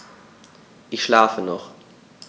Ich schlafe noch.